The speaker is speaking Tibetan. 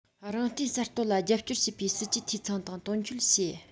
རང བརྟེན གསར གཏོད ལ རྒྱབ སྐྱོར བྱེད པའི སྲིད ཇུས འཐུས ཚང དང དོན འཁྱོལ བྱས